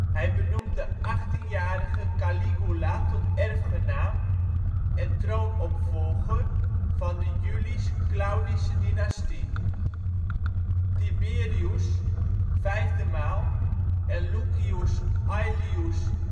hij benoemd de 18-jarige Caligula tot erfgenaam en troonopvolger van de Julisch-Claudische dynastie. Tiberius (vijfde maal) en Lucius Aelius